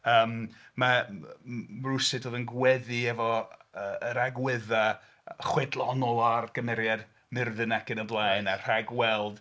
Yym mae m- y- m- rywsut oedd yn gweddu efo yy yr agweddau chwedlonol o'r gymeriad Myrddin ac yn y blaen a'r rhagweld.